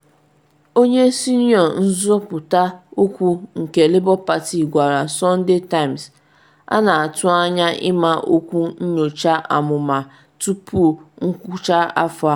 Onye senịọ nzuputa okwu nke Labour Party gwara Sunday Times: ‘A na-atu anya ịma ọkwa nyocha amụma tupu ngwucha afọ a.